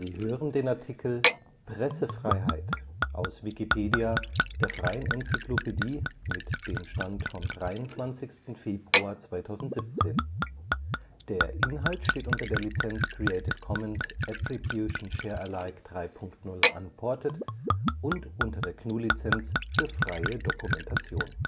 hören den Artikel Pressefreiheit, aus Wikipedia, der freien Enzyklopädie. Mit dem Stand vom Der Inhalt steht unter der Lizenz Creative Commons Attribution Share Alike 3 Punkt 0 Unported und unter der GNU Lizenz für freie Dokumentation